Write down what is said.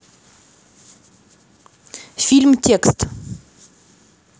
фильм текст